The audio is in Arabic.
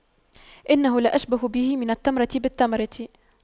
إنه لأشبه به من التمرة بالتمرة